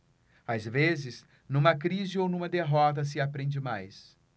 às vezes numa crise ou numa derrota se aprende mais